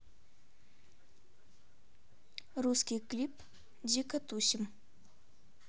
русский клип дико тусим